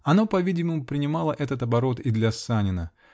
Оно, по-видимому, принимало этот оборот и для Санина.